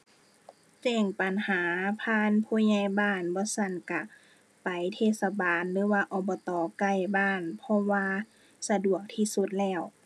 แจ้งปัญหาผ่านผู้ใหญ่บ้าน บ่ซั้นก็ไปเทศบาลหรือว่า อบต. ใกล้บ้าน เพราะว่าสะดวกที่สุดแล้ว